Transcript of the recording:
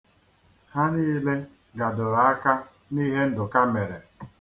Ha niile gadoro aka n'ihe Ndụka mere.